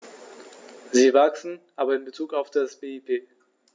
Sie wachsen, aber in bezug auf das BIP.